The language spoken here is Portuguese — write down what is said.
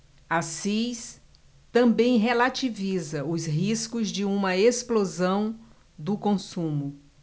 assis também relativiza os riscos de uma explosão do consumo